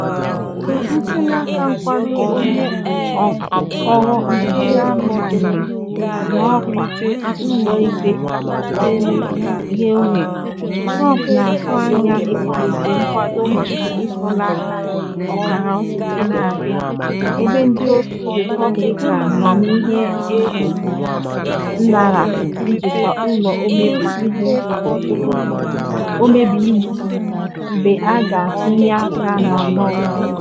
N’ijigide ntuli aka nkwado onye nhọrọ nke ya ịbanye n’ọkwa Ụlọ Ikpe Kachasị Elu ghe oghe, Trump na-atụ anya ịkwalite nkwado maka ntuli aka ọkara ọchịchị na-abịa, ebe ndị otu Repọblikan nọ n’ihe egwu nnarapụ njikwa Ụlọ Ọmebe iwu mgbe a ga-atụnye aka na Nov.